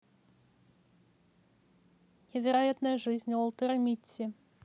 невероятная жизнь уолтера митти